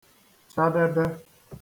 chadebē